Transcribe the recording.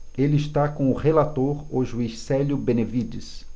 ele está com o relator o juiz célio benevides